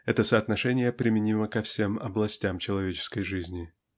Это соотношение применимо ко всем областям человеческой жизни.